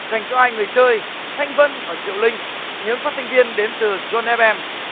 dành cho hai người chơi thanh vân và diệu linh những phát thanh viên đến từ dôn ép em